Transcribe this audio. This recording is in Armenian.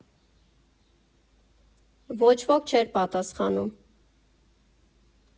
Ոչ ոք չէր պատասխանում։